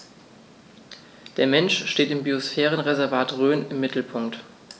Der Mensch steht im Biosphärenreservat Rhön im Mittelpunkt.